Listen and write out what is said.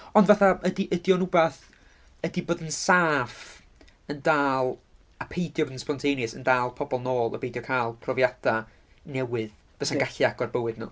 Ond fatha ydi ydi o'n wbath, ydy bod yn saff yn dal... a peidio bod yn spontaneous yn dal pobl nôl o beidio cael profiadau newydd fysa'n gallu agor bywyd nhw.